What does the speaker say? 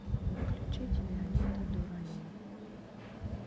включить виолетта дуралей